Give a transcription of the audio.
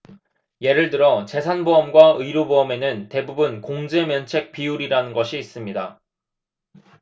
예를 들어 재산 보험과 의료 보험에는 대부분 공제 면책 비율이라는 것이 있습니다